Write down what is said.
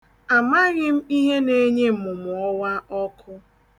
Amaghị m ihe na-enye mmụmụọwa ọkụ.